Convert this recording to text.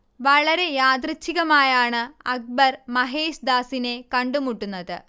വളരെ യാദൃച്ഛികമായാണ് അക്ബർ മഹേശ് ദാസിനെ കണ്ടുമുട്ടുന്നത്